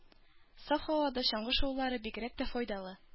Саф һавада чаңгы шуулары бигрәк тә файдалы.